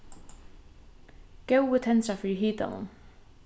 góði tendra fyri hitanum